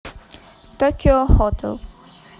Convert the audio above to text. tokio hotel